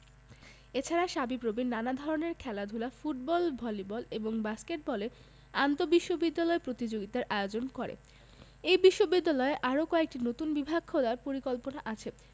এছাড়া সাবিপ্রবি নানা ধরনের খেলাধুলা ফুটবল ভলিবল এবং বাস্কেটবলে আন্তঃবিশ্ববিদ্যালয় প্রতিযোগিতার আয়োজন করে এই বিশ্ববিদ্যালয়ের আরও কয়েকটি নতুন বিভাগ খোলার পরিকল্পনা আছে